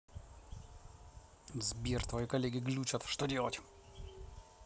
сбер твои коллеги глючат что делать